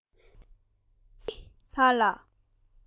ང དང ང འདྲ བའི ཞི མི དག ལ